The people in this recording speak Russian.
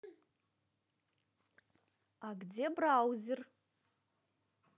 а где браузер